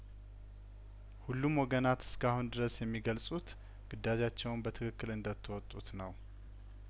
ሁሉም ወገናት እስካሁን ድረስ የሚገልጹት ግዳጃቸውን በትክክል እንደተወጡት ነው